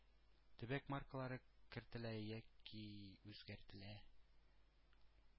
Төбәк маркалары кертелә яки үзгәртелә.